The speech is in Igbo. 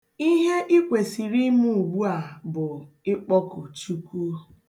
Ihe i kwesịrị ime ugbu a bụ ịkpọku Chukwu.